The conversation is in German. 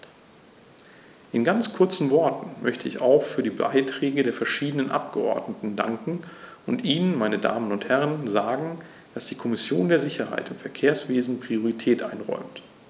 In ganz kurzen Worten möchte ich auch für die Beiträge der verschiedenen Abgeordneten danken und Ihnen, meine Damen und Herren, sagen, dass die Kommission der Sicherheit im Verkehrswesen Priorität einräumt.